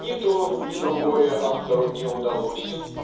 ни то, ни другое автору не удалось.